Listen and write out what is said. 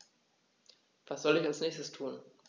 Was soll ich als Nächstes tun?